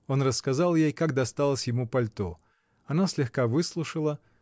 Он рассказал ей, как досталось ему пальто. Она слегка выслушала.